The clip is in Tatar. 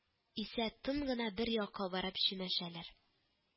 Исә тын гына бер якка барып чүмәшәләр